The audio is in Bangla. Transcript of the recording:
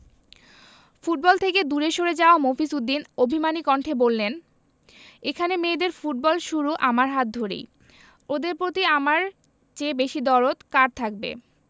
ফুটবল থেকে দূরে সরে যাওয়া মফিজ উদ্দিন অভিমানী কণ্ঠে বললেন এখানে মেয়েদের ফুটবল শুরু আমার হাত ধরেই ওদের প্রতি আমার চেয়ে বেশি দরদ কার থাকবে